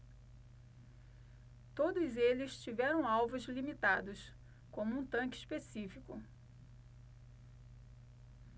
todos eles tiveram alvos limitados como um tanque específico